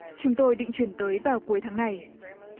chúng tôi định chuyển tới vào cuối tháng này